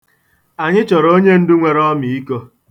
Anyị chọrọ onye ndu nwere ọmiiko.